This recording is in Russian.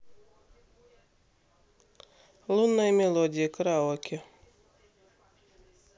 лунная мелодия караоке